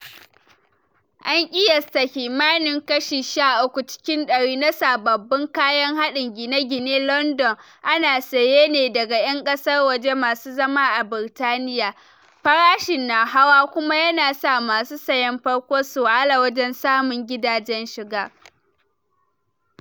An kiyasta kimanin kashi 13 cikin dari na sababbin kayan haɗin gine-ginen London ana saye ne daga ‘yan kasar waje masu zama a Britaniya, farashin na hawa kuma yana sa masu sayen farko su wahala wajen samun gidajen shiga.